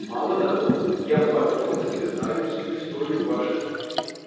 Мало того, я в подробности знаю всю историю вашей любви